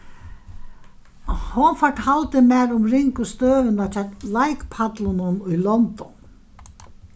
hon fortaldi mær um ringu støðuna hjá leikpallunum í london